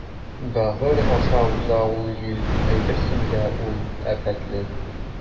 Бәгырь аша уза ул җил, әйтерсең лә ул афәтле.